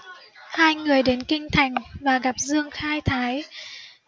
hai người đến kinh thành và gặp dương khai thái